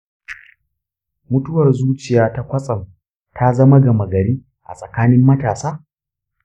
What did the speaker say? mutuwar zuciya ta kwatsam ta zama gama gari a tsakanin matasa?